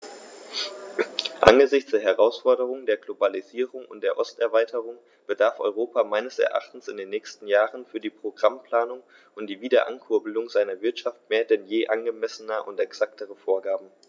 Angesichts der Herausforderung der Globalisierung und der Osterweiterung bedarf Europa meines Erachtens in den nächsten Jahren für die Programmplanung und die Wiederankurbelung seiner Wirtschaft mehr denn je angemessener und exakter Vorgaben.